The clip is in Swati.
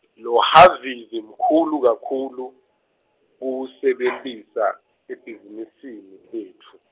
lohhavivi mkhulu kakhulu, kuwusebentisa, ebhizinisini, letfu.